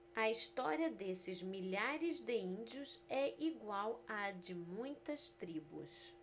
a história desses milhares de índios é igual à de muitas tribos